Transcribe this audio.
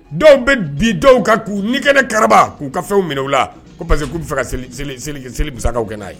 Dɔw bɛ bi dɔw kan'u ni kɛnɛ ne kara k'u ka fɛnw minɛ u la ko parce que k' bɛ fɛ ka seli bɛsa kɛ n' ye